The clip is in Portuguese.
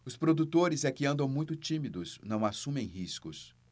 os produtores é que andam muito tímidos não assumem riscos